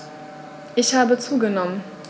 Ich habe zugenommen.